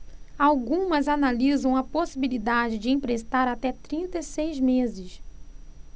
algumas analisam a possibilidade de emprestar até trinta e seis meses